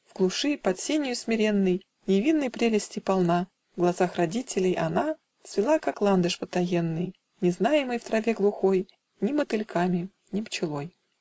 В глуши, под сению смиренной, Невинной прелести полна, В глазах родителей, она Цвела, как ландыш потаенный, Незнаемый в траве глухой Ни мотыльками, ни пчелой.